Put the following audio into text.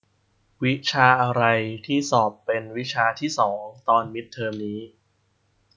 วิชาอะไรที่สอบเป็นวิชาที่สองตอนมิดเทอมนี้